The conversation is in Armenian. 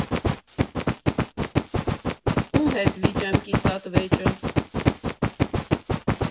Ում հետ վիճեմ կիսատ վեճը։